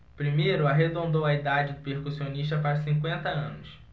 primeiro arredondou a idade do percussionista para cinquenta anos